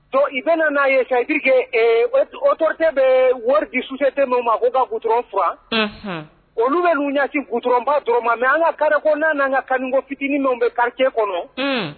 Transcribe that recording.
Don i bɛna n'a yeke o tɔtɛ bɛ wari di susɛte ma'u ka gtf furan olu bɛ nuutba dɔrɔn ma mɛ an kako n''an ka kan fitinin min bɛ kacɛ kɔnɔ